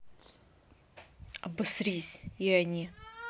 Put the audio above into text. обосрись и они